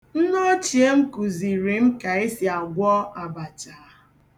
Nneochie m kụziri m ka esi agwọ abacha.